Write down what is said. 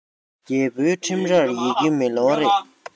རྒྱལ པོའི ཁྲིམས རར ཡི གེ མེ ལོང རེད